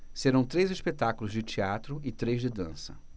serão três espetáculos de teatro e três de dança